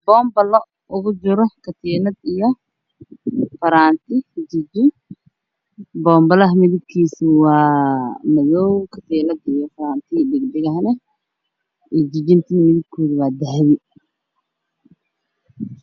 Boombalo oo ku jiro katiinad iyo faraanti Bombalaha midabkisu waa madow katinada farntiga iyo dhagadhaghna iyo jijinta midankodu waa dahabi